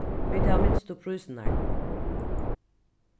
vit hava minstu prísirnar